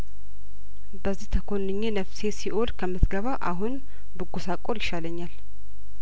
በዚህ ተኮንኜ ነፍሴ ሲኦል ከምትገባ አሁን ብጐሳቆል ይሻለኛል